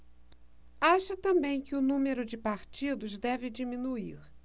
acha também que o número de partidos deve diminuir